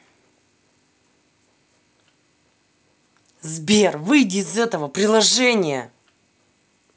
сбер выйди из этого приложения